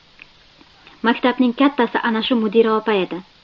maktabning kattasi ana shu mudira opa edi